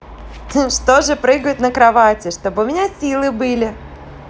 что же прыгают на кровати чтобы у меня силы были